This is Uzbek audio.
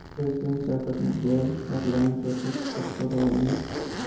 prezident shavkat mirziyoyev parlament va